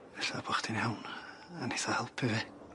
Ella bo' chdi'n iawn a neith o helpu fi.